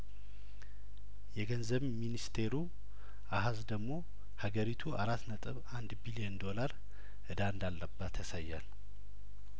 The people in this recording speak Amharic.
የገንዘብ ሚኒስቴሩ አሀዝ ደግሞ ሀገሪቱ አራት ነጥብ አንድ ቢሊየን ዶላር እዳ እንዳለባት ያሳያል